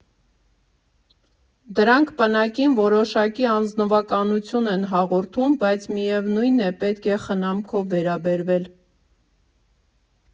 Դրանք պնակին որոշակի ազնվականություն են հաղորդում, բայց միևնույն է, պետք է խնամքով վերաբերվել։